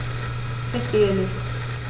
Verstehe nicht.